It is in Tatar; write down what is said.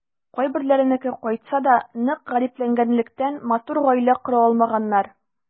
Кайберләренеке кайтса да, нык гарипләнгәнлектән, матур гаилә кора алмаганнар.